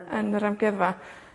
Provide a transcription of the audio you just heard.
...yn yr amgueddfa.